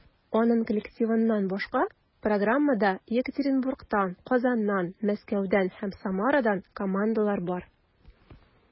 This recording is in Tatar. Аның коллективыннан башка, программада Екатеринбургтан, Казаннан, Мәскәүдән һәм Самарадан командалар бар.